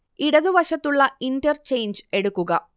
ഇടതുവശത്തുള്ള ഇന്റർചെയ്ഞ്ച് എടുക്കുക